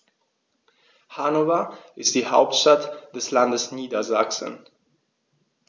Hannover ist die Hauptstadt des Landes Niedersachsen.